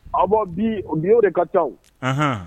Aw bɔ bi u bi'o de ka tɔn